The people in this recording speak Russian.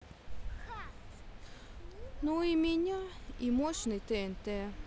ну и меня и мощный тнт